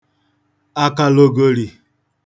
àkàlògòlì